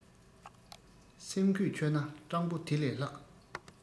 སེམས གོས ཆོད ན སྤྲང པོ དེ ལས ལྷག